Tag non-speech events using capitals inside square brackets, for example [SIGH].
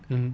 [HESITATION] [HESITATION]